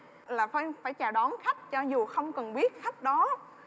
là phải phải chào đón khách cho dù không cần biết khách đó